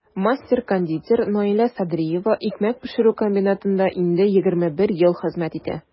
Мастер-кондитер Наилә Садриева икмәк пешерү комбинатында инде 21 ел хезмәт итә.